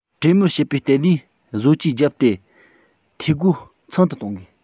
གྲོས མོལ བྱེད པར བརྟེན ནས བཟོ བཅོས བརྒྱབ སྟེ འཐུས སྒོ ཚང དུ གཏོང དགོས